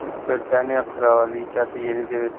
buyuk britaniya qirolichasi yelizaveta